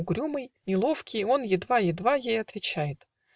Угрюмый, Неловкий, он едва-едва Ей отвечает.